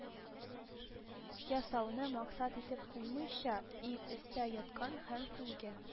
Ясауны максат итеп куймыйча, иң өстә яткан һәм күзгә